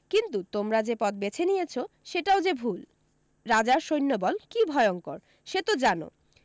কিন্তু তোমরা যে পথ বেছে নিয়েছ সেটাও যে ভুল রাজার সৈন্যবল কী ভয়ঙ্কর সে তো জান